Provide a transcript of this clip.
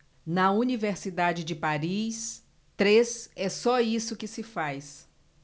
na universidade de paris três é só isso que se faz